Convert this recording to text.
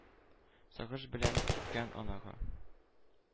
Сагыш белән кипкән анага: